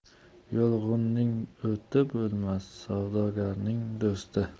yulg'unning o'ti bo'lmas savdogarning do'sti